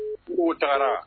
U taara